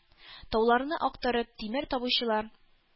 Тауларны актарып тимер табучылар,